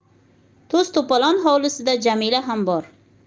to's to'polon hovlisida jamila xam bor